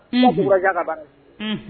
Mamudukuraɲagada